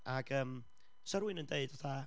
Ac yym, 'sa rywun yn deud, fatha,